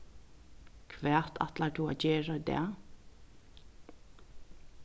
hvat ætlar tú at gera í dag